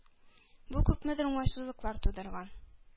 Бу күпмедер уңайсызлыклар тудырган.